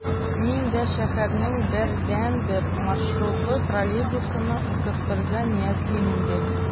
Мин дә шәһәрнең бердәнбер маршрутлы троллейбусына утырырга ниятлим инде...